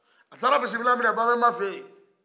a taara bisimila minɛ babemba fɛ ye